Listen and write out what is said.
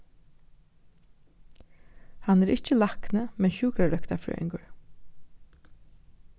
hann er ikki lækni men sjúkrarøktarfrøðingur